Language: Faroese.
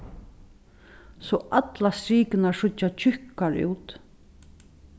so allar strikurnar síggja tjúkkar út